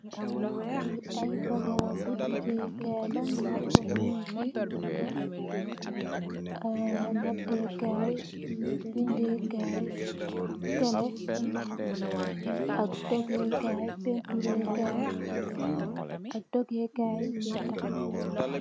Li ay bagassi legaay kai la marto mung fi marto arr nate kai bende kai tele ak doge kai painturr ree kai ak dogeh kai mata.